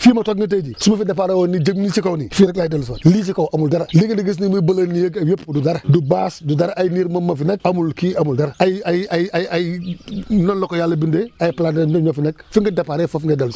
fii ma toog nii tey jii su ma fi départ jëm nii si kaw nii fii rek laay dellusiwaat lii si kaw amul dara lii ngeen di gis nii muy bleu nii yëpp du dara du bâche du dara ay niir moom moo fi neamul kii amul dara ay ay ay ay noonu la ko yàlla bindee ay planètes ñoom ñoo fi nekk fi nga départ foofu ngay dellu si